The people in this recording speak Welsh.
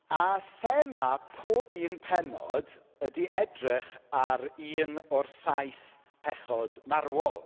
A thema pob un pennod ydy edrych ar un o'r Saith Pechod Marwol.